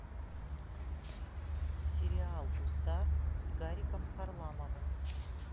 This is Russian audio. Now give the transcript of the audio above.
сериал гусар с гариком харламовым